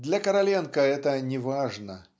для Короленко это не важно